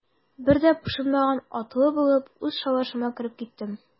Бер дә пошынмаган атлы булып, үз шалашыма кереп киттем.